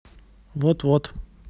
вот вот